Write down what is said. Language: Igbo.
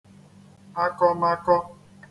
-akọmakọ